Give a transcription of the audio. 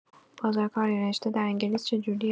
بازار کار این رشته در انگلیس چه جوریه؟